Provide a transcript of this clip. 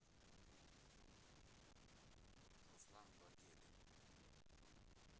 руслан багели